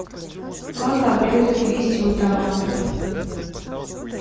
как обрезать листья у томатов